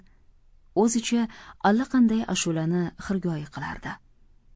o'zicha allaqanday ashulani xirgoyi qilardi